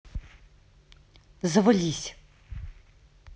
завались